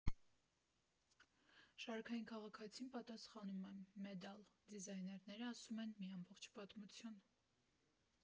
Շարքային քաղաքացին պատասխանում է՝ մեդալ, դիզայներները ասում են՝ մի ամբողջ պատմություն։